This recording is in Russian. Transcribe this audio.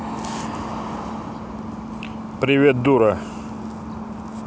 привет дура